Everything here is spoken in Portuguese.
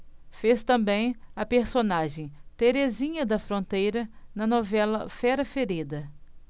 fez também a personagem terezinha da fronteira na novela fera ferida